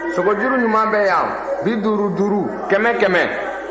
sogojuru ɲuman bɛ yan bi duuru duuru kɛmɛ kɛmɛ